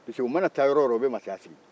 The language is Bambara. parce que u mana taa yɔrɔ-yɔrɔ u bɛ mansaya sigi